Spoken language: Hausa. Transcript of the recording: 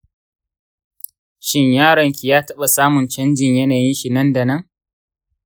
shin yaron ki ya taɓa samun canjin yanayinshi nan da nan?